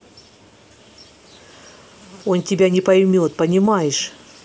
он тебя не поймет понимаешь